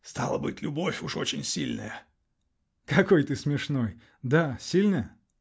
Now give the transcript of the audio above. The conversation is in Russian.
-- Стало быть, любовь уж очень сильная? -- Какой ты смешной! Да, сильная.